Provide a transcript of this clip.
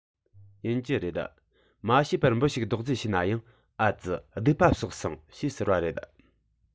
ཡིན གྱི རེད མ ཤེས པར འབུ ཞིག རྡོག རྫིས བྱས ན ཡང ཨ ཙི སྡིག པ བསགས སོང ཞེས ཟེར བ རེད